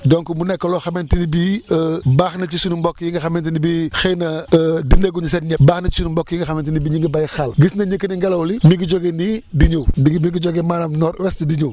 donc mu nekk loo xamante ni bii baax na ci suñu mbokk yi nga xamante ni bii xëy na dina ***** baax na ci suñu mbokk yi nga xamante ni bii ñu ngi béy xaal gis nañ ni que ni ngelaw li mi ngi jóge nii di ñëw mi ngi jóge maanaam nord ouest di ñëw